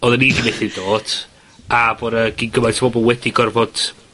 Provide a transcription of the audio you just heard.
odden ni 'di methu dod, a bo' 'na gyn gymaint o bobol wedi gorfod...